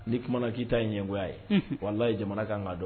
Ni kumaumana k'i ta ɲɛgo ye wala ye jamanakan kan dɔn